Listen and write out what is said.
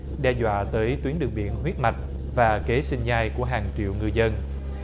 đe dọa tới tuyến đường biển huyết mạch và kế sinh nhai của hàng triệu người dân